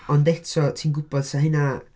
Ond eto ti'n gwybod 'sa hynna...